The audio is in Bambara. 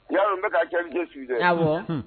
I ya dɔn n bɛ ka actualité suis dɛ? Awɔ.